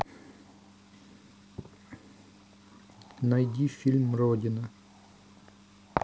найди фильм родина